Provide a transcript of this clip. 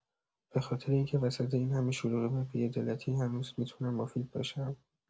به‌خاطر اینکه وسط این همه شلوغی و بی‌عدالتی، هنوز می‌تونم مفید باشم.